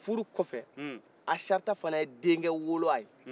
furukɔfɛ asarita fana ye denkɛ wolo a ye